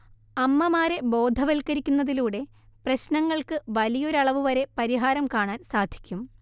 അമ്മമാരെ ബോധവൽക്കരിക്കുന്നതിലൂടെ പ്രശ്നങ്ങൾക്ക് വലിയൊരളവുവരെ പരിഹാരം കാണാൻ സാധിക്കും